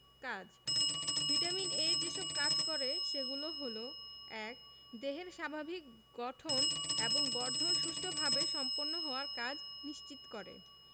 কাজ vitamin A যেসব কাজ করে সেগুলো হলো ১. দেহের স্বাভাবিক গঠন এবং বর্ধন সুষ্ঠুভাবে সম্পন্ন হওয়ার কাজ নিশ্চিত করে